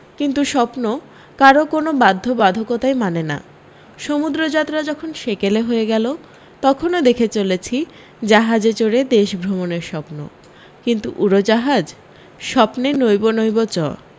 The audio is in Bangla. কিন্তু স্বপ্ন কারও কোনও বাধ্যবাধকতাই মানে না সমুদ্রযাত্রা যখন সেকেলে হয়ে গেল তখনও দেখে চলেছি জাহাজে চড়ে দেশভ্রমণের স্বপ্ন কিন্তু উডাজাহাজ স্বপ্নে নৈব নৈব চ